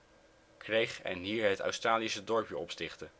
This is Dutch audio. kreeg en hier het Australische dorpje op stichtte